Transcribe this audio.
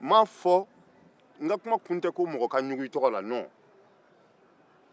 n ka kuma kun tɛ ko mɔgɔ ma ɲugun i tɔgɔ la